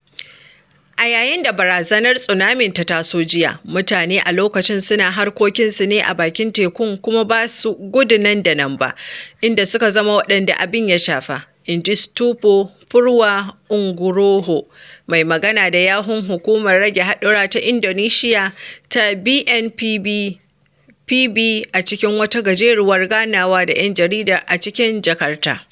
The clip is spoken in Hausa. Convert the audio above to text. “A yayin da barazanar tsunamin ta taso jiya, mutane a loƙacin suna harkokinasu ne a bakin tekun kuma ba su gudu nan da nan ba inda suka zama waɗanda abin ya shafa,” inji Sutopo Purwo Nugroho, mai magana da yawun hukumar rage haɗura ta Indonesiya ta BNPB a cikin wata gajeruwar ganawa da ‘yan jarida a cikin Jakarta.